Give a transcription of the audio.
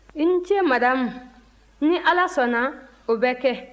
i ni ce madame ni ala sɔnna o bɛ kɛ